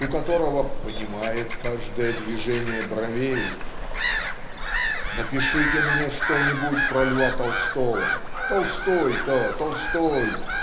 у которого "понимает каждое движение бровей" ("Напишите мне что-нибудь про Льва Толстого. Толстой-то, Толстой!